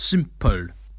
Simple.